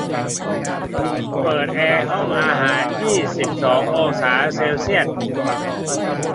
เปิดแอร์ห้องอาหารยี่สิบสององศาเซลเซียส